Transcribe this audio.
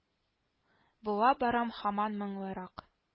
Була барам һаман моңлырак